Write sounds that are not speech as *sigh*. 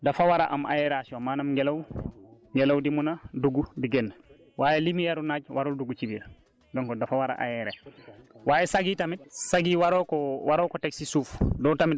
boo koy def tamit ci ci ci ci ci dencukaay bi dafa war a am aération maanaam ngelaw *noise* ngelaw di mun a dugg di génn waaye lumière naaj warul dugg ci biir donc dafa war a aéré *crosstalk*